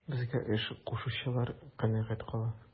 Безгә эш кушучылар канәгать кала.